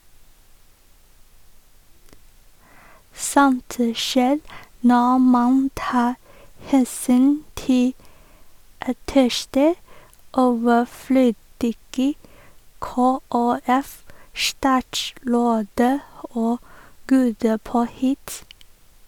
Sånt skjer når man tar hensyn til ateister, overflødige KrF-statsråder og gode påhitt.